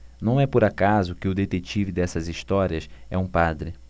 não é por acaso que o detetive dessas histórias é um padre